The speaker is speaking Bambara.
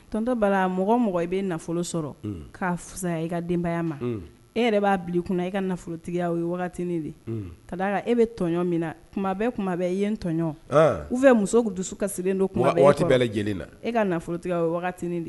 Tɔntɔ bala mɔgɔ mɔgɔ i bɛ nafolo sɔrɔ k'a fisa i ka denbaya ma e yɛrɛ b'a bila kunna i ka nafolotigiya o ye de ka da e bɛ tɔɔn min na tuma bɛ kuma e ye n tɔɔn u bɛ muso dusu ka sirilen don kuma lajɛlen na e ka nafolotigi o de